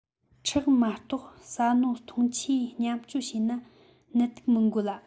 ཁྲག མ གཏོགས ཟ སྣོད འཐུང ཆས མཉམ སྤྱོད བྱས ན ནད དུག མི འགོ ལ